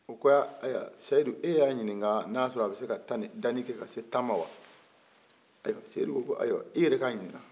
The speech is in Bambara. u ko ayiwa seyidu e y'a ɲininka n'a ya sɔrɔ a bi se ka dani kɛ ka se tan ma wa seyidu ko ayiwa i yɛrɛ ka ɲininka